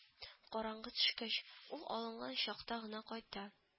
Караңгы төшкәч, ул алынган чакта гына кайта